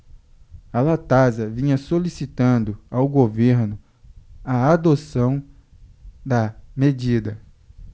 a latasa vinha solicitando ao governo a adoção da medida